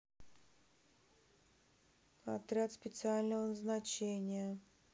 отряд специального назначения